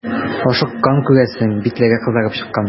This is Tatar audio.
Ашыккан, күрәсең, битләре кызарып чыккан.